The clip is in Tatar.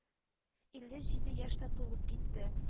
“илле җиде яшь тә тулып китте